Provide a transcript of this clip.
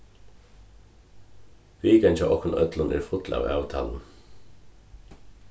vikan hjá okkum øllum er full av avtalum